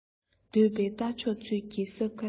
འདོད པའི རྟ མཆོག ཚོད ཀྱིས སྲབ ཁ འཐེན